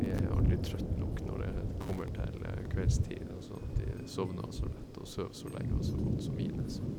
De er aldri trøtt nok når det kommer til kveldstid og sånn at de sovner så lett og sover så lenge og så godt som mine, så...